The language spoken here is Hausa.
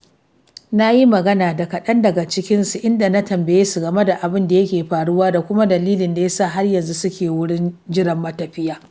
Na yi magana da kaɗan daga cikinsu, inda na tambaye su game da abin da yake faruwa da kuma dalilin da ya sa har yanzu suke wurin jiran matafiya.